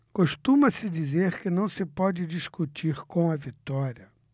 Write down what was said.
costuma-se dizer que não se pode discutir com a vitória